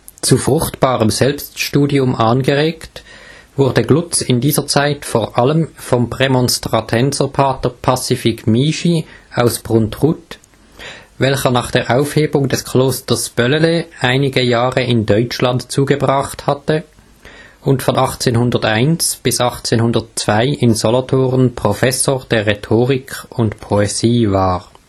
Zu fruchtbarem Selbststudium angeregt wurde Glutz in dieser Zeit vor allem vom Prämonstratenserpater Pacific Migy aus Pruntrut, welcher nach der Aufhebung des Klosters Bellelay einige Jahre in Deutschland zugebracht hatte und von 1801 bis 1802 in Solothurn Professor der Rhetorik und Poesie war